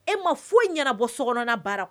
E ma foyi ɲɛnabɔ sɔkɔnɔna baaraw